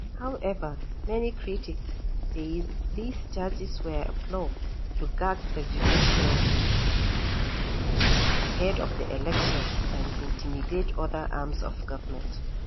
However, many critics say these charges were a ploy to gag the judiciary ahead of the elections and intimidate other arms of government.